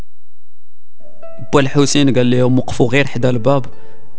ابو الحسين قال لي يا مقفول غير هذا الباب